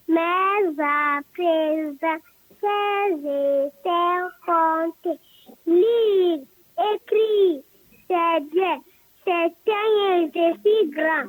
M nsansan se ze kɛ kɛ min e sɛd cɛ cɛɲɛ dilan